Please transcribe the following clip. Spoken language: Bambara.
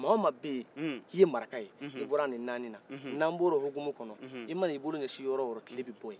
mɔgɔ wo mɔgɔ bɛye k'i ye maraka ye i bɔrɔ nin nani na n'a bɔra u hokumu kɔnɔ i man'i bolo ɲɛsin yɔrɔ wo yɔrɔ tile bɛ bɔ ye